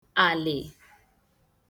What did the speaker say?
àlị̀